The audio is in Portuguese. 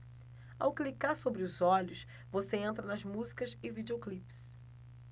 ao clicar sobre os olhos você entra nas músicas e videoclipes